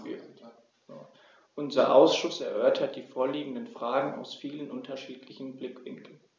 Unser Ausschuss erörtert die vorliegenden Fragen aus vielen unterschiedlichen Blickwinkeln.